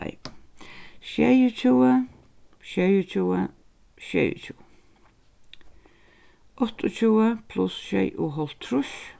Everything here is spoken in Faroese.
nei sjeyogtjúgu sjeyogtjúgu sjeyogtjúgu áttaogtjúgu pluss sjeyoghálvtrýss